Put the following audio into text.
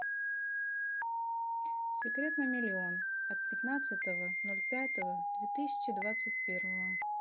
секрет на миллион от пятнадцатого ноль пятого две тысячи двадцать первого